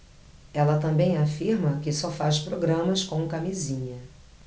ela também afirma que só faz programas com camisinha